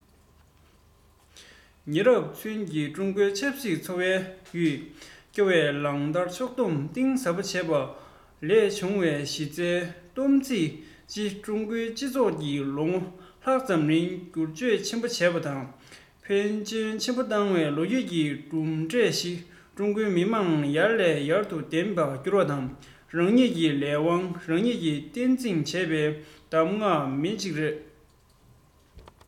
ཉེ རབས ཚུན གྱི ཀྲུང གོའི ཆབ སྲིད འཚོ བའི ཡིད སྐྱོ བའི བསླབ བྱར ཕྱོགས སྡོམ གཏིང ཟབ བྱས པ ལས བྱུང བའི གཞི རྩའི བསྡོམས ཚིག ཅིག ཀྲུང གོའི སྤྱི ཚོགས ཀྱིས ལོ ངོ ལྷག ཙམ རིང སྒྱུར བཅོས ཆེན པོ བྱས པ དང འཕེལ རྒྱས ཆེན པོ བཏང བའི ལོ རྒྱུས ཀྱི གྲུབ འབྲས ཤིག ཀྲུང གོ མི དམངས ཡར ལངས ནས བདག པོར གྱུར པ དང རང ཉིད ཀྱི ལས དབང རང ཉིད ཀྱིས སྟངས འཛིན བྱས པའི གདམ ག ལྡོག མེད ཅིག རེད